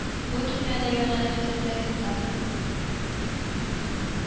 Бу дөньяда янадыр тереләй утта